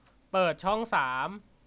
เปิดช่องสาม